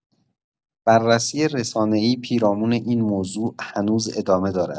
بررسی رسانه‌ای پیرامون این موضوع هنوز ادامه دارد.